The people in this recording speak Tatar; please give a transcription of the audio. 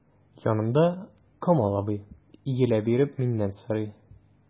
Янымда— Камал абый, иелә биреп миннән сорый.